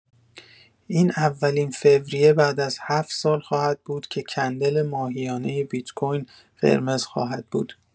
این اولین فوریه بعد از هفت سال خواهد بود که کندل ماهیانه بیت کوین قرمز خواهد بود.